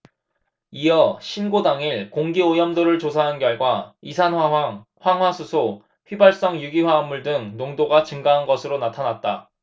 이어 신고 당일 공기오염도를 조사한 결과 이산화황 황화수소 휘발성유기화합물 등 농도가 증가한 것으로 나타났다